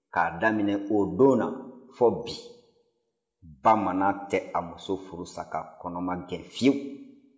k'a daminɛ o don na fɔ bi bamanan tɛ a muso furusa kɔnɔma gɛn fyewu